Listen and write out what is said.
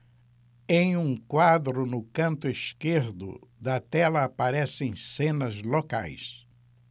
em um quadro no canto esquerdo da tela aparecem cenas locais